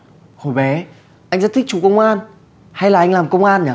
hồi bé anh rất thích chú công an hay là anh làm công an nhờ